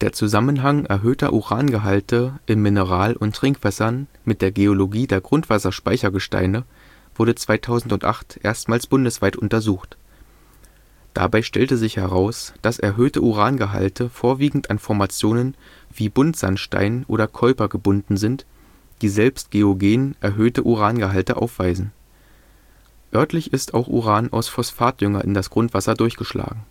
Zusammenhang erhöhter Urangehalte in Mineral - und Trinkwässern mit der Geologie der Grundwasserspeichergesteine wurde 2008 erstmals bundesweit untersucht. Dabei stellte sich heraus, dass erhöhte Urangehalte vorwiegend an Formationen wie Buntsandstein oder Keuper gebunden sind, die selbst geogen erhöhte Urangehalte aufweisen. Örtlich ist auch Uran aus Phosphatdünger in das Grundwasser durchgeschlagen